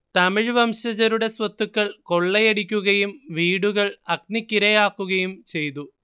തമിഴ് വംശജരുടെ സ്വത്തുക്കൾ കൊള്ളയടിക്കുകയും വീടുകൾ അഗ്നിക്കിരയാക്കുകയും ചെയ്തു